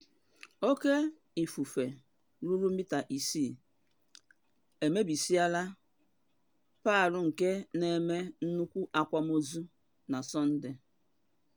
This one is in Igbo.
Oke ifufe ruru mita isii emebisiela Palu nke na eme nnukwu akwamozu na Sọnde.